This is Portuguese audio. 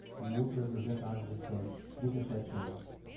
o outro é josé carlos dos santos trinta e sete anos